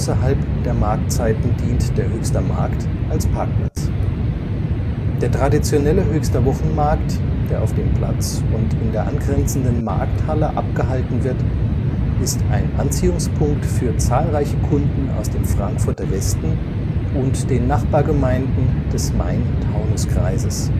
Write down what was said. Außerhalb der Marktzeiten dient der Höchster Markt als Parkplatz. Der traditionelle Höchster Wochenmarkt, der auf dem Platz und in der angrenzenden Markthalle abgehalten wird, ist ein Anziehungspunkt für zahlreiche Kunden aus dem Frankfurter Westen und den Nachbargemeinden des Main-Taunus-Kreises